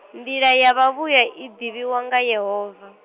nḓila ya vha vhuya iḓivhiwa nga Yehova.